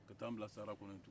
ka taa an bila sahara kɔnɔ yen